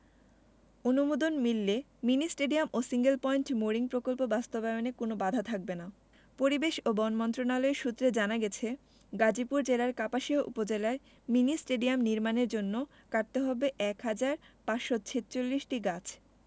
অনুমোদন মিললে mini stadium এবং সিঙ্গেল পয়েন্ট মোরিং প্রকল্প বাস্তবায়নে কোনো বাধা থাকবে না পরিবেশ ও বন মন্ত্রণালয় সূত্রে জানা গেছে গাজীপুর জেলার কাপাসিয়া উপজেলায় মিনি স্টেডিয়াম নির্মাণের জন্য কাটতে হবে এক হাজার ৫৪৬টি গাছ